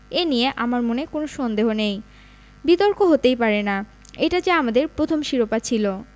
এ নিয়ে আমার মনে কোনো সন্দেহ নেই বিতর্ক হতেই পারে না এটা যে আমাদের প্রথম শিরোপা ছিল